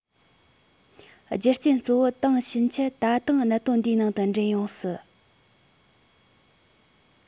རྒྱུ རྐྱེན གཙོ བོ དེང ཕྱིད ཆད ད དུང གནད དོན འདིའི ནང དུ འདྲེན ཡང སྲིད